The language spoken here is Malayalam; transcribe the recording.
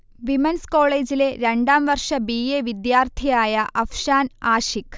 വിമൻസ് കോളേജിലെ രണ്ടാം വർഷ ബി. എ. വിദ്യാർഥിയായ അഫ്ഷാൻ ആഷിഖ്